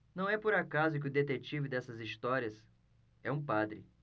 não é por acaso que o detetive dessas histórias é um padre